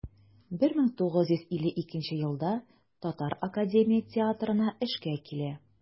1952 елда татар академия театрына эшкә килә.